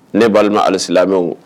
Ne balima alisilaamɛw